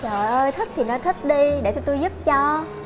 trời ơi thích thì nói thích đi để tụi tôi giúp cho